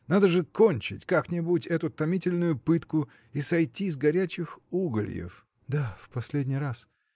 Надо же кончить как-нибудь эту томительную пытку и сойти с горячих угольев! — Да, в последний раз.